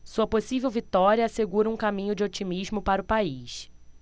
sua possível vitória assegura um caminho de otimismo para o país